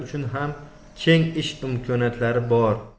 uchun ham keng ish imkoniyatlari bor